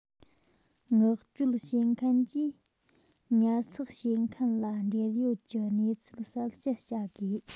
མངགས བཅོལ བྱེད མཁན གྱིས ཉར ཚགས བྱེད མཁན ལ འབྲེལ ཡོད ཀྱི གནས ཚུལ གསལ བཤད བྱ དགོས